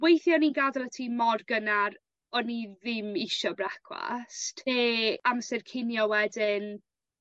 weithie o'n i'n gadel y tŷ mor gynnar o'n i ddim isio brecwast ne' amser cinio wedyn